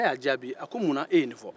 cɛ y'a jaabi ko munna e ye nin fɔ